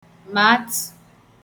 màadtụ̀